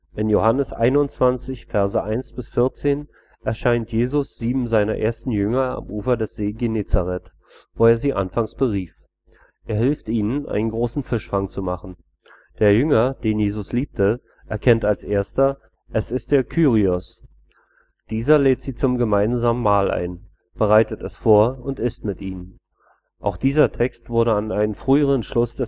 In Joh 21,1 – 14 erscheint Jesus sieben seiner ersten Jünger am Ufer des Sees Genezareth, wo er sie anfangs berief. Er hilft ihnen, einen großen Fischfang zu machen. Der Jünger, „ den Jesus liebte “, erkennt als Erster: Es ist der Kyrios! Dieser lädt sie zum gemeinsamen Mahl ein, bereitet es vor und isst mit ihnen. – Auch dieser Text wurde an einen früheren Schluss